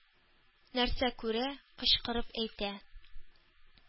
Нәрсә күрә, кычкырып әйтә,